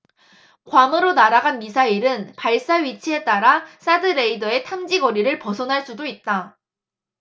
괌으로 날아간 미사일은 발사 위치에 따라 사드 레이더의 탐지거리를 벗어날 수도 있다